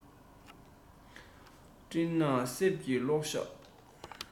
སྤྲིན ནག གསེབ ཀྱི གློག ཞགས